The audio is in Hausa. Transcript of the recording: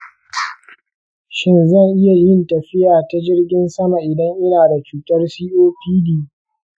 shin zan iya yin tafiya ta jirgin sama idan ina da cutar copd?